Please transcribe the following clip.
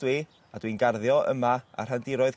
...dw i a dwi'n garddio yma ar rhandiroedd...